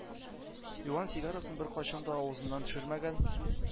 Юан сигарасын беркайчан да авызыннан төшермәгән